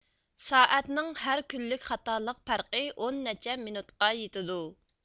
سائەتنىڭ ھەركۈنلۈك خاتالىق پەرقى ئون نەچچە مىنۇتقا يېتىدۇ